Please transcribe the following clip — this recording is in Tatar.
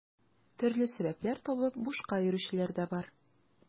Төрле сәбәпләр табып бушка йөрүчеләр дә бар.